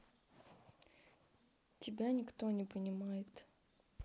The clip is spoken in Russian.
тебя никто не понимает